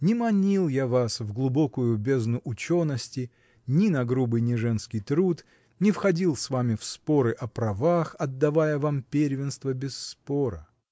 Не манил я вас в глубокую бездну учености, ни на грубый, неженский труд, не входил с вами в споры о правах, отдавая вам первенство без спора.